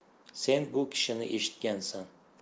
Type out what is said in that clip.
sen bu kishini eshitgansan